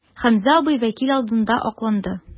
Хәмзә абый вәкил алдында акланды.